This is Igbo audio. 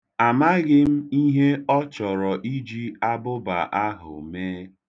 Amaghị m ihe ọ chọrọ iji abụba ahụ mee.